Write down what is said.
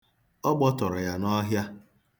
Ọ gbọtọrọ ya n'ọhịa.